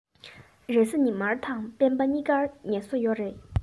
རེས གཟའ ཉི མ དང སྤེན པ གཉིས ཀར ངལ གསོ ཡོད རེད